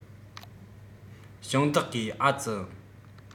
ཞིང བདག གིས ཨ ཙི